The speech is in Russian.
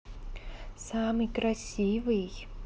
самый красивый